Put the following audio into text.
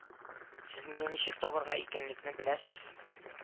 — сез мине ничек табарга икәнлекне беләсез